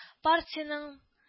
Партиянең